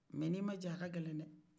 mɛ ni ma jɛ a ka gɛlɛn dɛ